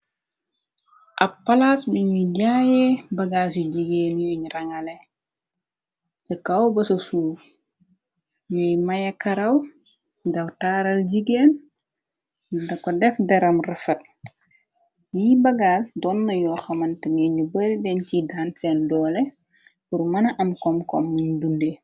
Ab palaas bi ñuy jaayee bagaas yu jigeen yuñ rangale ca kaw basasuu yuy maya karaw daw taaral jigeen da ko def daram rëfat yi bagaas doon na yoo xamante ngi ñu bëri ben ci daan seen doole bur mëna am kom kom muñu dunde.